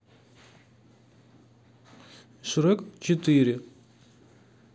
шрек четыре